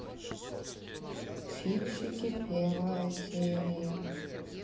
фиксики первая серия